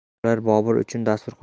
ular bobur uchun dasturxon